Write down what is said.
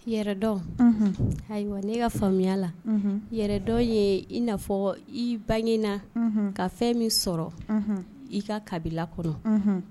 Yɛrɛdɔn, unhun, ayiwa ne ka faamuyala, unhun, yɛrɛdɔn ye i n'a fɔ, i bangera, unhun, ka fɛn min sɔrɔ, i ka kabila kɔnɔ, unhun.